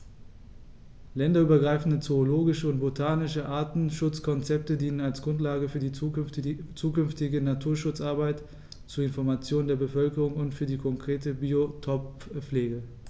Länderübergreifende zoologische und botanische Artenschutzkonzepte dienen als Grundlage für die zukünftige Naturschutzarbeit, zur Information der Bevölkerung und für die konkrete Biotoppflege.